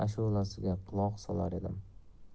ashulasiga quloq solar edim